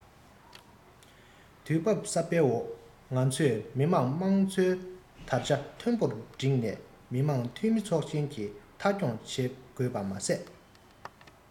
དུས བབ གསར པའི འོག ང ཚོས མི དམངས དམངས གཙོའི དར ཆ མཐོན པོར བསྒྲེངས ནས མི དམངས འཐུས མི ཚོགས ཆེན གྱི མཐའ འཁྱོངས བྱེད དགོས པ མ ཟད